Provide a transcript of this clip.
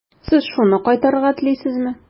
Сез шуны кайтарырга телисезме?